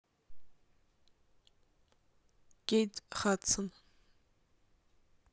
кейт хадсон